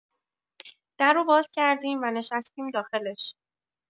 در و باز کردیم و نشستیم داخلش.